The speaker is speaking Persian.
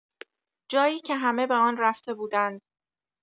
جایی که همه به آن رفته بودند.